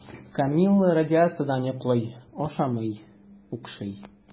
Камилла радиациядән йоклый, ашамый, укшый.